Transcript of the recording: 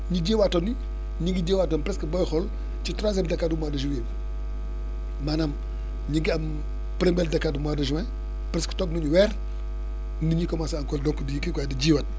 ñi jiwaatoon ñi ñu ngi jiwaatoon presque booy xool ci troisième décate mois de juillet maanaam ñu ngi am premier décate mois de juin presque toog nañ weer nit ñi commencé encore donc di kii quoi di jiwaat